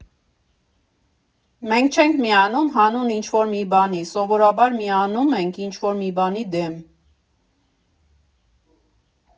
Մենք չենք միանում հանուն ինչ֊որ մի բանի, սովորաբար միանում ենք ինչ֊որ մի բանի դեմ։